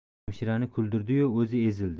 hamshirani kuldirdi yu o'zi ezildi